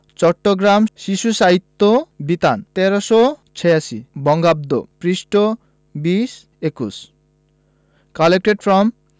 চট্টগ্রাম শিশু সাহিত্য বিতান ১৩৮৬ বঙ্গাব্দ পৃষ্ঠাঃ ২০ ২১ কালেক্টেড ফ্রম